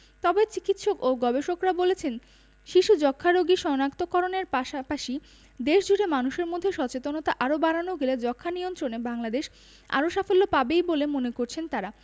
তবে চিকিৎসক ও গবেষকরা বলছেন শিশু যক্ষ্ণারোগী শনাক্ত করণের পাশাপাশি দেশজুড়ে মানুষের মধ্যে সচেতনতা আরও বাড়ানো গেলে যক্ষ্মানিয়ন্ত্রণে বাংলাদেশ আরও সাফল্য পাবেই বলে মনে করছেন তারা